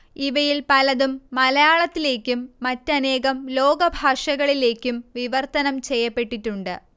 ഇവയിൽ പലതും മലയാളത്തിലേക്കും മറ്റനേകം ലോകഭാഷകളിലേക്കും വിവർത്തനം ചെയ്യപ്പെട്ടിട്ടുണ്ട്